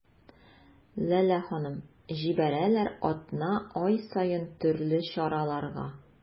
Ләлә ханым: җибәрәләр атна-ай саен төрле чараларга.